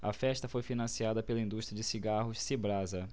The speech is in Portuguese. a festa foi financiada pela indústria de cigarros cibrasa